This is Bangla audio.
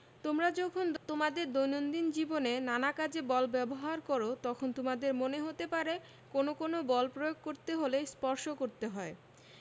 তোমরা যখন তোমাদের দৈনন্দিন জীবনে নানা কাজে বল ব্যবহার করো তখন তোমাদের মনে হতে পারে কোনো কোনো বল প্রয়োগ করতে হলে স্পর্শ করতে হয়